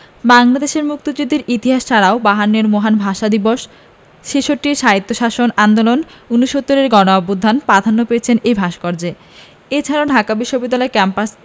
বাংলাদেশের মুক্তিযুদ্ধের ইতিহাস ছাড়াও বায়ান্নর মহান ভাষা দিবস ছেষট্টির স্বায়ত্তশাসন আন্দোলন উনসত্তুরের গণঅভ্যুত্থান প্রাধান্য পেয়েছে এ ভাস্কর্যে এ ছাড়াও ঢাকা বিশ্ববিদ্যালয় ক্যাম্পাস